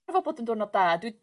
dwi feddwl bod o'n diwrnod da dwi...